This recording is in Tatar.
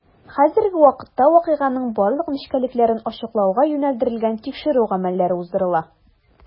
Хәзерге вакытта вакыйганың барлык нечкәлекләрен ачыклауга юнәлдерелгән тикшерү гамәлләре уздырыла.